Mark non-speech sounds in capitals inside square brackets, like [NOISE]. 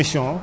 [HESITATION] [HESITATION]